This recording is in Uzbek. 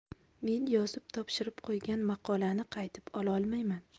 men yozib topshirib qo'ygan maqolani qaytib ololmayman